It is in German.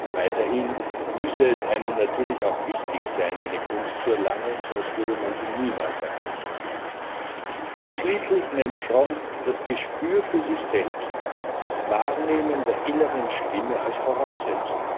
Weiterhin müsse es einem natürlich auch wichtig sein, eine Kunst zu erlangen, sonst würde man sie niemals erreichen. Und schließlich nennt Fromm das Gespür für sich selbst, das Wahrnehmen der inneren Stimme als Voraussetzung